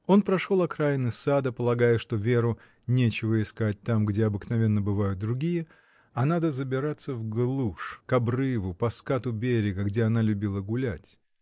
Он прошел окраины сада, полагая, что Веру нечего искать там, где обыкновенно бывают другие, а надо забираться в глушь, к обрыву, по скату берега, где она любила гулять.